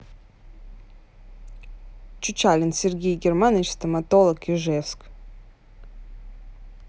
чучалин сергей германович стоматолог ижевск